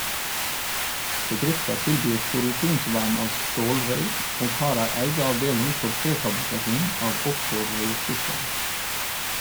Bedrifta tilbyr korrosjonsvern av stålrøyr , og har ei eiga avdeling for prefabrikasjon av offshore røyrsystem.